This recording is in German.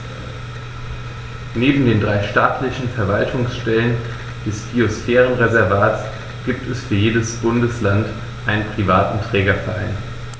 Neben den drei staatlichen Verwaltungsstellen des Biosphärenreservates gibt es für jedes Bundesland einen privaten Trägerverein.